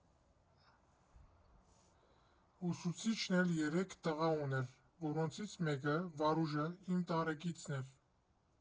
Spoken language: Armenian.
Ուսուցիչն էլ երեք տղա ուներ, որոնցից մեկը՝ Վարուժը, իմ տարեկիցն էր։